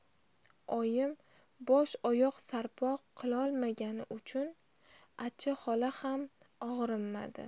oyim bosh oyoq sarpo qilolmagani uchun acha xola ham og'rinmadi